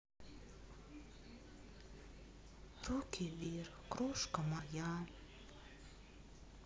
руки вверх крошка моя